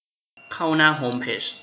เข้าหน้าโฮมเพจ